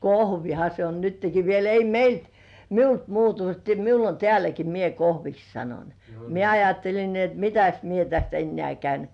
kohvina se on nytkin vielä ei meiltä minulta muutu tämä minulla on täälläkin minä kohviksi sanon minä ajattelin niin että mitäs minä tästä enää käyn